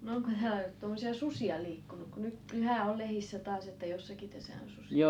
no onkohan tuommoisia susia liikkunut kun nythän oli lehdissä taas että jossakin tässä on susia